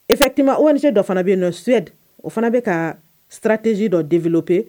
E fati o ni ce dɔ fana bɛ yen nɔ su o fana bɛ ka siratsi dɔ denvlo pe